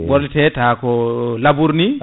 ɓorlite tawa ko labourée ni